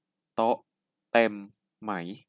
โต๊ะเต็มไหม